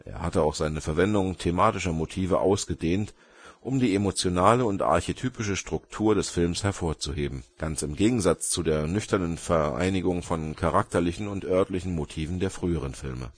hatte auch seine Verwendung thematischer Motive ausgedehnt, um die emotionale und archetypische Struktur des Films hervorzuheben. Ganz im Gegensatz zu der nüchternen Vereinigung von charakterlichen und örtlichen Motiven der früheren Filme